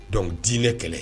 Don diinɛ kɛlɛ